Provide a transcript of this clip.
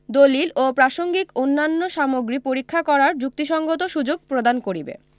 দলিল ও প্রাসংগিক অন্যান্য সামগ্রী পরীক্ষা করার যুক্তিসঙ্গত সুযোগ প্রদান করিবে